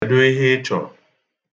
Kedụ ihe ị chọ?